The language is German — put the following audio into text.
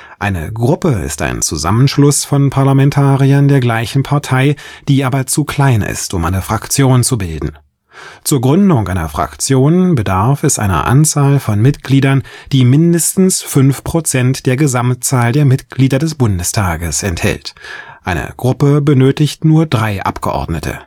Eine Gruppe ist ein Zusammenschluss von Parlamentariern der gleichen Partei, die aber zu klein ist, um eine Fraktion zu bilden: Zur Gründung einer Fraktion bedarf es einer Anzahl von Mitgliedern, die mindestens fünf Prozent der Gesamtzahl der Mitglieder des Bundestages enthält; eine Gruppe benötigt nur drei Abgeordnete